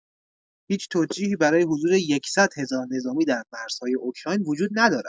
هیچ توجیهی برای حضور یکصد هزار نظامی در مرزهای اوکراین وجود ندارد.